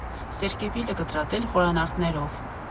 Սերկևիլը կտրատել խորանարդներով։